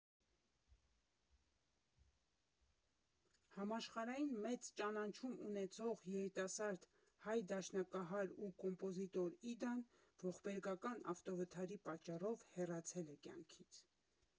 Համաշխարհային մեծ ճանաչում ունեցող երիտասարդ հայ դաշնակահար ու կոմպոզիտոր Իդան ողբերգական ավտովթարի պատճառով հեռացել է կյանքից։